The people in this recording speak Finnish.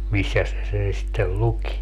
missäs se sen sitten luki